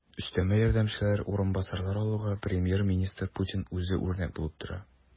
Өстәмә ярдәмчеләр, урынбасарлар алуга премьер-министр Путин үзе үрнәк булып тора.